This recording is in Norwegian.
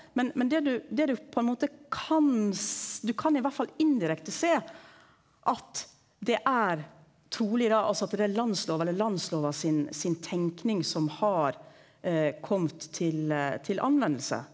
men men det du det du på ein måte kan du kan iallfall indirekte sjå at det er truleg da altså at det er landslov eller Landslova sin sin tenking som har komme til til nytte.